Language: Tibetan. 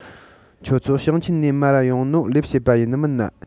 ཁྱོད ཚོ ཞིང ཆེན ནས མར ར ཡོང ནོ ལས བྱེད པ ཡིན ནི མིན ན